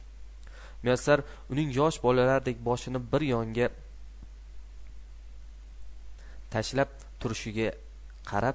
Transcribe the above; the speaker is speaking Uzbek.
muyassar uning yosh bolalarday boshini bir yonga tashlab turishiga qarab